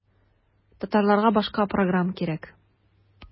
Татарларга башка программ кирәк.